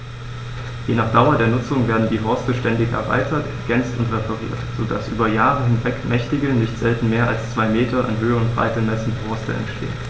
Je nach Dauer der Nutzung werden die Horste ständig erweitert, ergänzt und repariert, so dass über Jahre hinweg mächtige, nicht selten mehr als zwei Meter in Höhe und Breite messende Horste entstehen.